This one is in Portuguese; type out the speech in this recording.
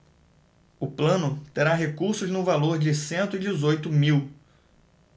o plano terá recursos no valor de cento e dezoito mil